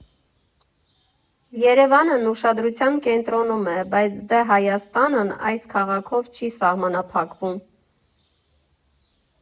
Երևանն ուշադրության կենտրոնում է, բայց դե Հայաստանն այս քաղաքով չի սահմանափակվում։